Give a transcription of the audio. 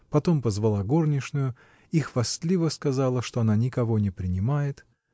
Потом позвала горничную и хвастливо сказала, что она никого не принимает